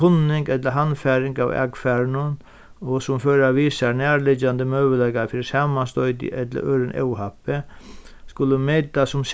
kunning ella handfaring av akfarinum og sum føra við sær nærliggjandi møguleika fyri samanstoyti ella øðrum óhappi skulu metast sum